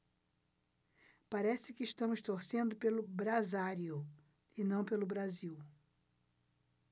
parece que estamos torcendo pelo brasário e não pelo brasil